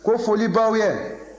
ko foli b'aw ye